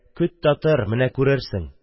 Көт тә тор, менә күрерсең...